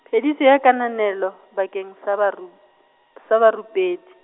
phediso ya kananelo bakeng sa barup-, sa barupedi.